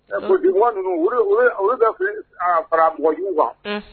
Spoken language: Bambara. Bon politigimɔgɔ ninnu olu ka fili a fara mɔgɔjuguw kan,